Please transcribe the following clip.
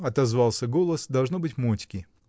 — отозвался голос, должно быть, Мотьки.